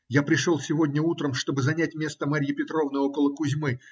Я пришел сегодня утром, чтобы занять место Марьи Петровны около Кузьмы.